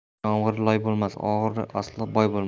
yoz yomg'iri loy bo'lmas o'g'ri aslo boy bo'lmas